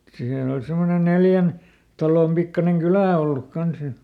siinä oli semmoinen neljän talon pikkuinen kylä ollut kanssa ja